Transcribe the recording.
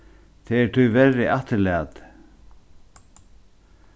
tað er tíverri afturlatið